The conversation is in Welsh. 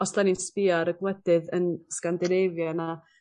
...os 'dan ni'n sbïo ar y gwledydd yn Sgandinafia na